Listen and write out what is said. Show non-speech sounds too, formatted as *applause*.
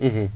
*hesitation* *hesitation*